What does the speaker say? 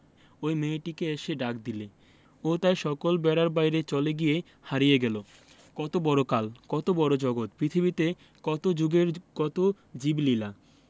ঐ মেয়েটিকে এসে ডাক দিলে ও তাই সকল বেড়ার বাইরে চলে গিয়ে হারিয়ে গেল কত বড় কাল কত বড় জগত পৃথিবীতে কত জুগের কত জীবলীলা